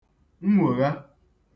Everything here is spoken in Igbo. nnwògha